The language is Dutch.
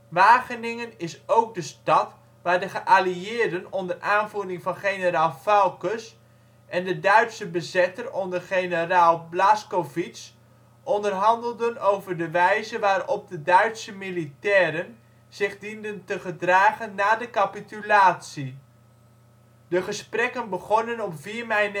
Wageningen is ook de stad waar de geallieerden onder aanvoering van generaal Foulkes en de Duitse bezetter onder generaal Blaskowitz onderhandelden over de wijze waarop de Duitse militairen zich dienden te gedragen na de capitulatie. De gesprekken begonnen op 4 mei 1945